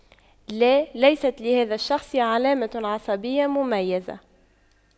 لا ليست لهذا الشخص علامة عصبية مميزة